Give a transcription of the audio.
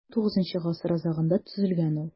XIX гасыр азагында төзелгән ул.